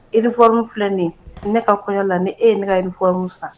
I nifr filɛ nin ne ka kɔɲɔ la ni e ye ne ka ifrin san